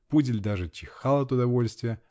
пудель даже чихал от удовольствия